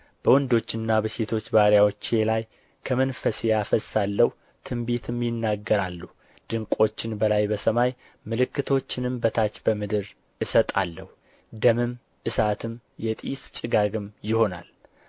በወንዶችና በሴቶች ባሪያዎቼ ላይ ከመንፈሴ አፈሳለሁ ትንቢትም ይናገራሉ ድንቆችን በላይ በሰማይ ምልክቶችንም በታች በምድር እሰጣለሁ ደምም እሳትም የጢስ ጭጋግም ይሆናል